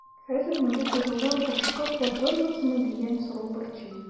Хәзер мондый казалар башка кабатланмасмы дигән сорау борчый.